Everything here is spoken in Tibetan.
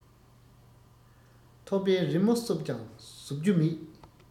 ཐོད པའི རི མོ བསུབས ཀྱང ཟུབ རྒྱུ མེད